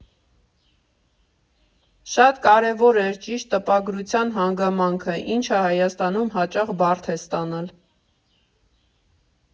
Շատ կարևոր էր ճիշտ տպագրության հանգամանքը, ինչը Հայաստանում հաճախ բարդ է ստանալ։